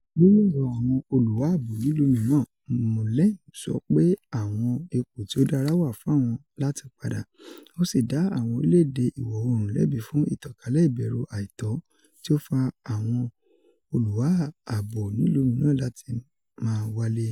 Lori ọrọ awọn oluwa abo nilu miiran, Moualem sọ pe awọn ipo ti o dara wa fun wọn lati pada, o si da "awọn orílẹ̀-èdè iwọ oorun" lẹbi fun "itankale ibẹru aitọ" ti o fa awọn awọn oluwa abo nilu miiran lati ma wale.